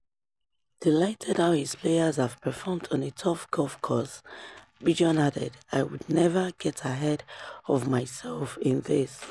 Delighted how his players have performed on a tough golf course, Bjorn added: "I would never get ahead of myself in this.